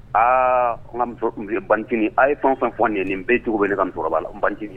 Aa ne ka muso bantinin, n banitiini a ye fɛn o fɛn fɔ nin ye nin bɛɛ cogo bɛ ne ka musokɔrɔba n bantinin.